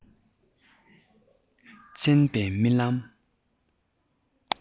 རྩེན པའི རྨི ལམ